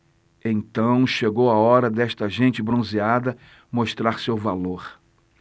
então chegou a hora desta gente bronzeada mostrar seu valor